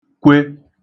kwe